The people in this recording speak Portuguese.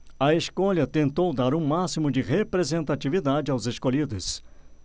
a escolha tentou dar o máximo de representatividade aos escolhidos